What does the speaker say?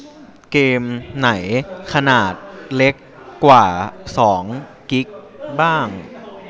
เกมไหนขนาดเล็กกว่าสองกิ๊กบ้าง